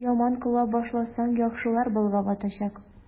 Яман кыла башласаң, яхшылар болгап атачак.